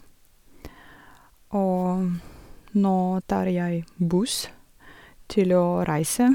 Og nå tar jeg buss til å reise.